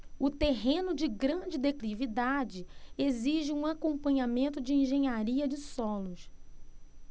o terreno de grande declividade exige um acompanhamento de engenharia de solos